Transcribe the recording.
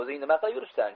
o'zing nima qilib yuribsan